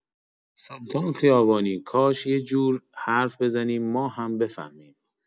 سلطان خیابانی کاش یه جور حرف بزنی ما هم بفهمیم!